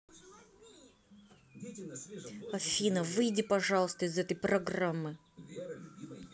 афина выйди пожалуйста из этой программы